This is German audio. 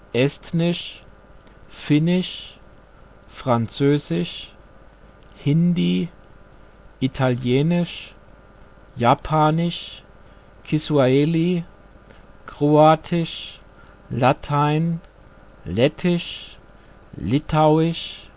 Estnisch, Finnisch, Französisch, Hindi, Italienisch, Japanisch, Kisuaheli, Kroatisch, Latein, Lettisch, Litauisch